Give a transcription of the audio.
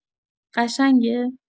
قشنگه؟